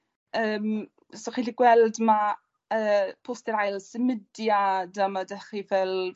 yym so chi 'llu gweld ma' yym poster ail symudiad a ma' dach chi fel